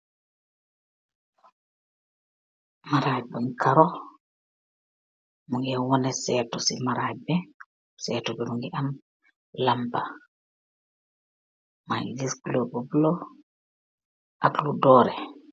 maraj bujn karoo ak sehtu bu am lampa.